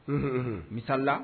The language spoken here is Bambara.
Uhun, unhun, misali la